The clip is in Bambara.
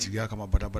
Sigiya ka kama ba ba